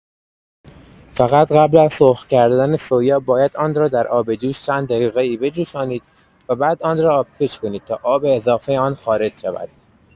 فقط قبل از سرخ کردن سویا باید آن را در آب جوش چند دقیقه‌ای بجوشانید و بعد آن را آبکش کنید تا آب اضافه آن خارج شود.